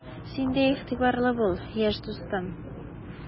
Син дә игътибарлы бул, яшь дустым!